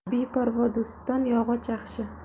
beparvo do'stdan yog'och yaxshi